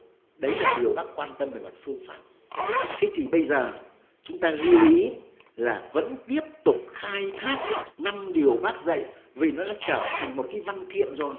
đấy là điều bác quan tâm về mặt phương pháp thế thì bây giờ chúng ta lưu ý là vẫn tiếp tục khai thác năm điều bác dậy vì nó đã trở thành một cái văn kiện rồi